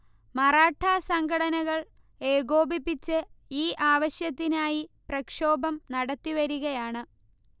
മറാഠാ സംഘടനകൾ ഏകോപിച്ച് ഈ ആവശ്യത്തിനായി പ്രക്ഷോഭം നടത്തിവരികയാണ്